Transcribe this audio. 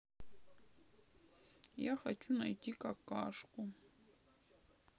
я хочу найти какашку